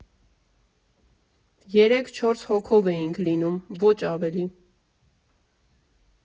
Երեք֊չորս հոգով էինք լինում, ոչ ավելի։